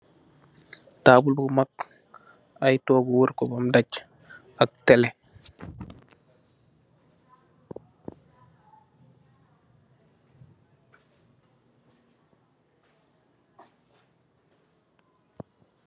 Taabul bu mag, ay toogu wër ko bam dage, ak tele.